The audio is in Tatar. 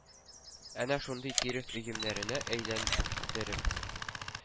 Әнә шундый тирес өемнәренә әйләндереп,